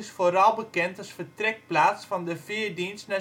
vooral bekend als vertrekplaats van de veerdienst